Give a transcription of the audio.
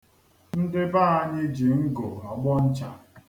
Ndị be anyị ji ngụ agbọ ncha.